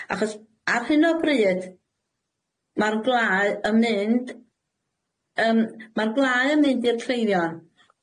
Achos ar hyn o bryd, ma'r gwlâu yn mynd- yym ma'r gwlâu yn mynd i'r cleifion.